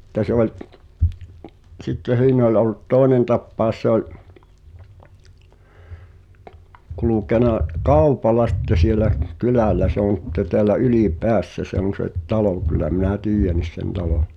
sitten se oli sitten siinä oli ollut toinen tapaus se oli kulkenut kaupalla sitten siellä kylällä se on sitten täällä Ylipäässä se on se talo kyllä minä tiedän sen talon